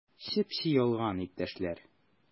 Чеп-чи ялган, иптәшләр!